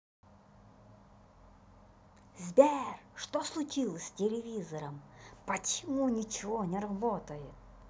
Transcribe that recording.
сбер что случилось с телевизором почему ничего не работает